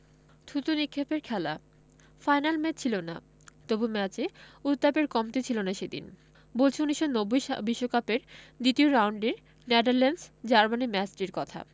থুতু নিক্ষেপের খেলা ফাইনাল ম্যাচ ছিল না তবু ম্যাচে উত্তাপের কমতি ছিল না সেদিন বলছি ১৯৯০ বিশ্বকাপের দ্বিতীয় রাউন্ডের নেদারল্যান্ডস জার্মানি ম্যাচটির কথা